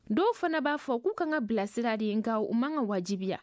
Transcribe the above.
dɔw fana b'a fɔ k'u ka kan ka bilasira de nka u man kan ka wajibiya